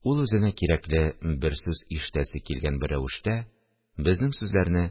Ул үзенә кирәкле бер сүз ишетәсе килгән рәвештә, безнең сүзләрне